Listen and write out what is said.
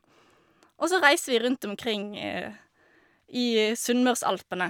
Og så reiste vi rundt omkring i Sunnmørsalpene.